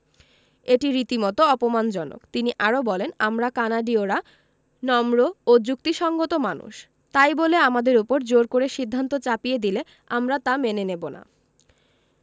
এটি রীতিমতো অপমানজনক তিনি আরও বলেন আমরা কানাডীয়রা নম্র ও যুক্তিসংগত মানুষ তাই বলে আমাদের ওপর জোর করে সিদ্ধান্ত চাপিয়ে দিলে আমরা তা মেনে নেব না